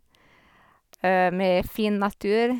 Med fin natur.